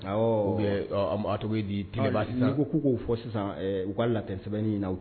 Awɔɔ ou bien ɔ ɔm a tɔgɔ ye di tigɛba sisan n'i ko k'u k'o fɔ sisan ɛɛ u ka latin sɛbɛnni in na u